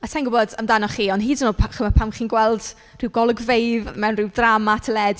A sa i'n gwybod amdano chi ond hyd yn oed pa- chimod pan chi'n gweld rhyw golygfeydd mewn ryw ddrama teledu.